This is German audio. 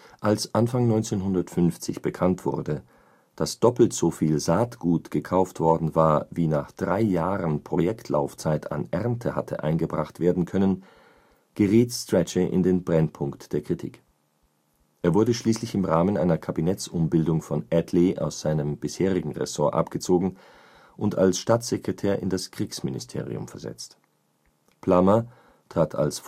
Als Anfang 1950 bekannt wurde, dass doppelt soviel Saatgut gekauft worden war, wie nach drei Jahren Projektlaufzeit an Ernte hatte eingebracht werden können, geriet Strachey in den Brennpunkt der Kritik. Er wurde schließlich im Rahmen einer Kabinettsumbildung von Attlee aus seinem bisherigen Ressort abgezogen und als Staatssekretär in das Kriegsministerium versetzt. Plummer trat als